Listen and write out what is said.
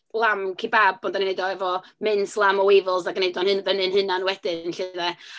lamb kebab, ond dan ni'n neud o efo mins lamb o Wavells ac yn wneud o'n hun- fyny'n hunain wedyn 'lly 'de.